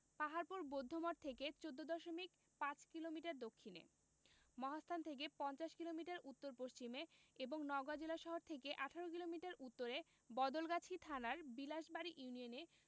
পাহাড়পুর বৌদ্ধমঠ থেকে ১৪দশমিক ৫ কিলোমিটার দক্ষিণে মহাস্থান থেকে পঞ্চাশ কিলোমিটার উত্তর পশ্চিমে এবং নওগাঁ জেলাশহর থেকে ১৮ কিলোমিটার উত্তরে বদলগাছি থানার বিলাসবাড়ি ইউনিয়নে